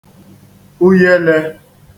uyele